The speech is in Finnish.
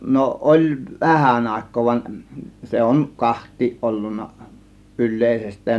no oli vähän aikaa vaan se on kahtia ollut yleisestään